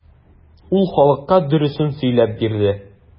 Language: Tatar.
Ул халыкка дөресен сөйләп бирде.